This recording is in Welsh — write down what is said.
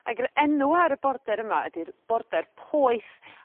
Ag y enw ar y border yma ydi'r border poeth